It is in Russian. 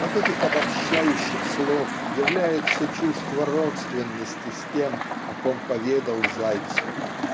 От этих обобщающих слов является чувство родственности с тем о ком поведал Зайцев